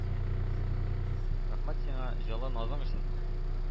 Рәхмәт сиңа җылы назың өчен,